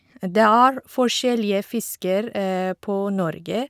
Det er forskjellige fisker på Norge.